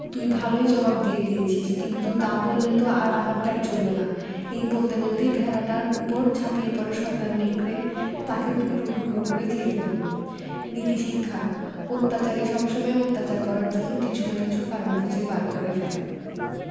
তুই ভালই জবাব দিয়ে দিয়েছিস কিন্তু তা বললে তো আর আমার পেট চলবে না এই বলতে বলতেই ভেড়াটার উপর ঝাঁপিয়ে পড়ে শয়তান নেকড়ে তাকে টুকরো টুকরো করে খেয়ে ফেলল নীতিশিক্ষাঃ অত্যাচারী সবসময়ই অত্যাচার করার জন্য কিছু না কিছু কারণ খুঁজে বার করে ফেলে